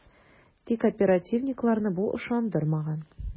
Тик оперативникларны бу ышандырмаган ..